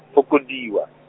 fokodiwa.